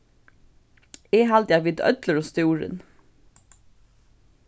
eg haldi at vit øll eru stúrin